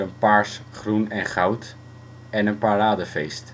paars, groen en goud) en een paradefeest